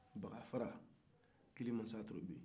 bagafaran kilimansatorobi